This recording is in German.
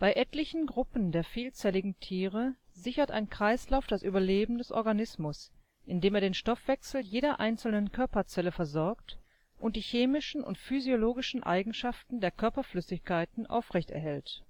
etlichen Gruppen der vielzelligen Tiere sichert ein Kreislauf das Überleben des Organismus, indem er den Stoffwechsel jeder einzelnen Körperzelle versorgt und die chemischen und physiologischen Eigenschaften der Körperflüssigkeiten aufrechterhält